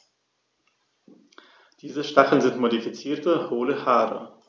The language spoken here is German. Diese Stacheln sind modifizierte, hohle Haare.